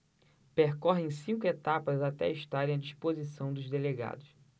percorrem cinco etapas até estarem à disposição dos delegados